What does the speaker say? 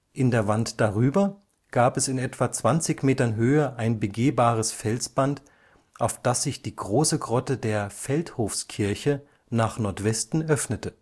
In der Wand darüber gab es in etwa 20 Metern Höhe ein begehbares Felsband, auf das sich die große Grotte der Feldhofskirche nach Nordwesten öffnete